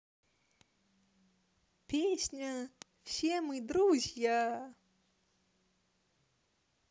песня все мы друзья